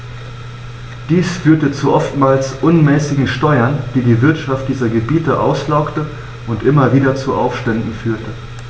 Dies führte zu oftmals unmäßigen Steuern, die die Wirtschaft dieser Gebiete auslaugte und immer wieder zu Aufständen führte.